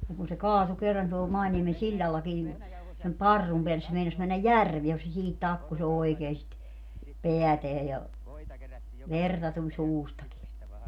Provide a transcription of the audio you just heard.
niin kun se kaatui kerran tuolla Mainiemen sillallakin niin sen parrun päälle se meinasi mennä järveen kun se siihen takkusi oikein sitä päätään ja verta tuli suustakin sitten